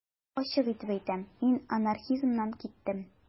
Ачык итеп әйтәм: мин анархизмнан киттем.